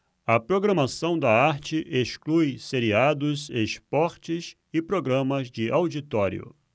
a programação da arte exclui seriados esportes e programas de auditório